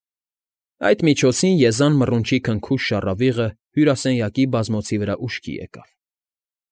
Այդ միջոցին Եզան Մռունչի քնքուշ շառավիղը հյուրասենյակի բազմոցի վրա ուշքի եկավ։